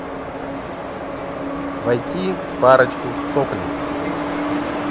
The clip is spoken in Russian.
войти парочку сопли